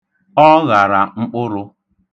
Ọ ghara mkpụrụ.